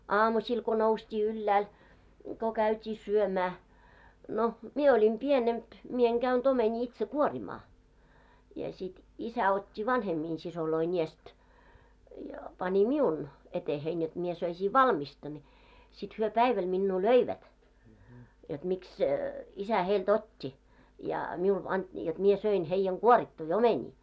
aamusilla kun noustiin ylhäälle kun käytiin syömään no minä olin pienempi minä en käynyt omenia itse kuorimaan ja sitten isä otti vanhempien siskojen edestä ja pani minun eteeni jotta minä söisin valmista niin sitten he päivällä minua löivät jotta miksi isä heiltä otti ja minulle - jotta minä söin heidän kuorittuja omenia